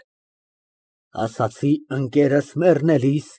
ՄԱՐԳԱՐԻՏ ֊ Այնտեղ, իմ սենյակում, գրասեղանիս մեջ։ ԲԱԳՐԱՏ ֊ Խոսե՞լ ես հայրիկի հետ։